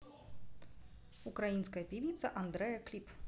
украинская певица андреа клип